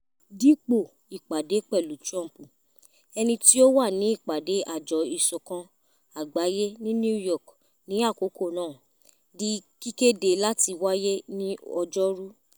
Dípò, ìpàdé pẹ̀lú Trump, ẹni tí ó wà ní ìpàdé Àjọ ìṣọ̀kan Àgbáyé ní New York ní àkókò náà, di kíkéde láti wáyé ní ọjọ́’rú.